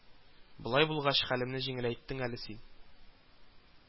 Болай булгач, хәлемне җиңеләйттең әле син